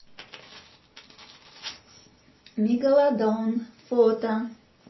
мегалодон фото